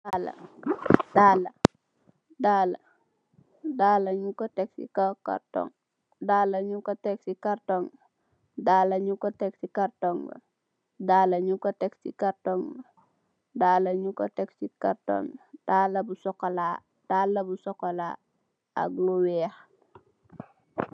Amb dallala nyung ko tek cii kaw kartonbi mugui am color bou sokolar ak lou weck